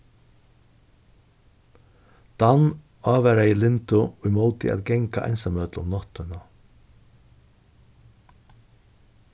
dan ávaraði lindu ímóti at ganga einsamøll um náttina